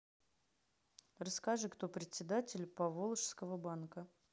расскажи кто председатель поволжского банка